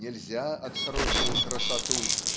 нельзя отсрочивать красоту